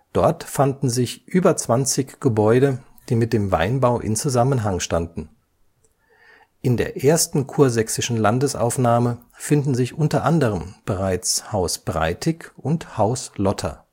Dort fanden sich über 20 Gebäude, die mit dem Weinbau in Zusammenhang standen. In der ersten Kursächsischen Landesaufnahme finden sich unter anderem bereits Haus Breitig und Haus Lotter